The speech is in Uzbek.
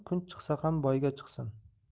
kun chiqsa ham boyga chiqsin